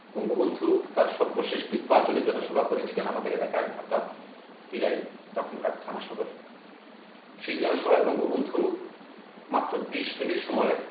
বঙ্গবন্ধু তার সর্বশেষ নির্বাচনী জনসভা করেছিলেন আমাদের এলাকায় অর্থাৎ দিরাই এ তখনকার থানা সদরে সেই জনসভায় বঙ্গবন্ধু মাত্র ২০ মিনিট সময়